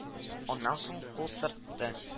Аннан соң кул сыртты